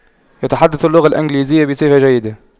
يتحدث اللغة الإنجليزية بصيغة جيدة